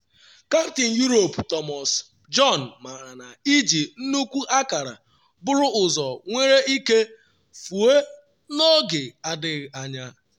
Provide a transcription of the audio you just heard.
Kaptịn Europe Thomas Bjorn maara na iji nnukwu akara buru ụzọ nwere ike fuo n’oge adịghị anya